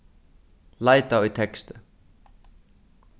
leita í teksti